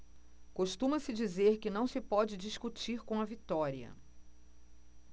costuma-se dizer que não se pode discutir com a vitória